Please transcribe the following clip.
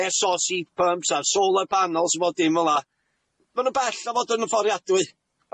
êr sôs hît pymps a'r solar panels a bob dim fel 'a ma' nw'n bell na fod yn y fforiadwy.